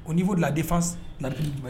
Ko n'i ko ladenfa laba ye